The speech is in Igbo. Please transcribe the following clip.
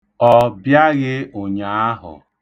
Ọ bịaghị ụnyaahụ.